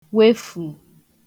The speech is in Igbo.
kwefù